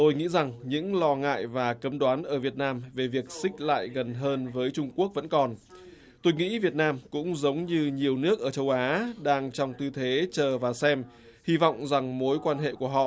tôi nghĩ rằng những lo ngại và cấm đoán ở việt nam về việc xích lại gần hơn với trung quốc vẫn còn tôi nghĩ việt nam cũng giống như nhiều nước ở châu á đang trong tư thế chờ và xem hy vọng rằng mối quan hệ của họ